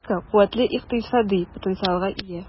Республика куәтле икътисади потенциалга ия.